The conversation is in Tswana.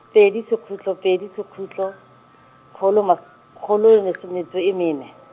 pedi sekhutlo pedi sekhutlo, kgolo mas- , kgolo metso metso e mene.